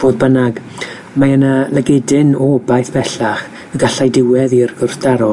Fodd bynnag, mae yna lygedyn o obaith bellach y gallai diwedd i'r gwrthdaro